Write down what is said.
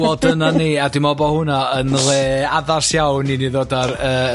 fd yna ni adiw mobol hwnna yn le addas iawn ii ddod ar y y